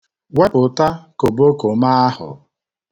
Wepụta koboko m ahụ.